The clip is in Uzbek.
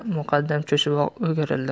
muqaddam cho'chib o'girildi